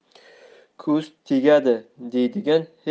ko'z tegadi deydigan